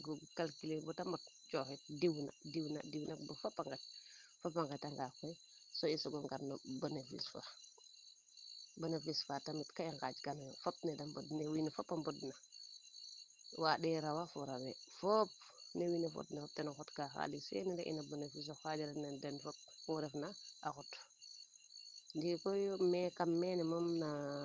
um calculer boota mat coxin diw na diw na diw na boo fopa ŋet fop pa ŋeta ŋaa koy soo i sogo ŋar no benéfice faa benéfice faa tamit ka i ŋaƴ kan fop ne da ɓod ne win we fop pa ɓod na waɗee rawa fo rawee foop ne win we fod ten no xotaa xalice fee ree ina na benéfice o xaƴan na den fop xuu ref na o xot ɗii koy mee kam mene mom naa